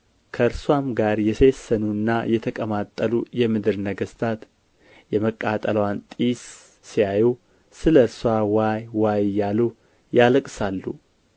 ከእርስዋም ጋር የሴሰኑና የተቀማጠሉ የምድር ነገሥታት የመቃጠልዋን ጢስ ሲያዩ ስለ እርስዋ ዋይ ዋይ እያሉ ያለቅሳሉ